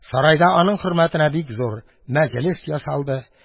Сарайда аның хөрмәтенә бик зур мәҗлес ясалды.